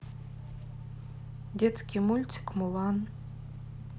детский мультик мулан